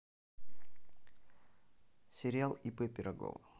сериал ип пирогова